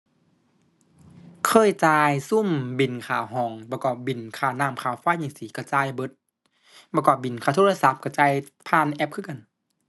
เคยจ่ายซุมบิลค่าห้อง แล้วก็บิลค่าน้ำค่าไฟจั่งซี้ ก็จ่ายเบิด เมื่อก่อนบิลค่าโทรศัพท์ก็จ่ายผ่านแอปคือกัน